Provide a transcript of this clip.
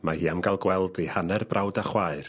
mae hi am gael gweld ei hanner brawd a chwaer.